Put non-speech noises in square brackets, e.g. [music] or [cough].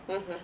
[hesitation] [hesitation]